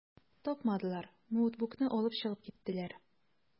Тапмадылар, ноутбукны алып чыгып киттеләр.